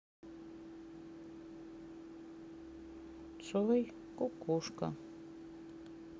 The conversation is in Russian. цой кукушка